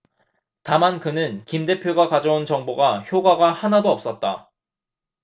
다만 그는 김 대표가 가져온 정보가 효과가 하나도 없었다